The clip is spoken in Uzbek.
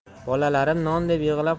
bolalarim non deb yig'lab